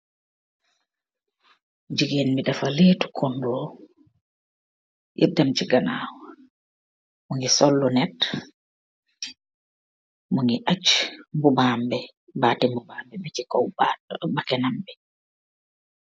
Jigéen bi dafa leetoo, kondor yépp dem chi ganaw. Mu ngi soll lonet, mu ngi aah, bubam bi bati, bubam bi bachi kaw, bakkanam bi.